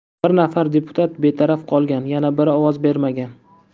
bir nafar deputat betaraf qolgan yana biri ovoz bermagan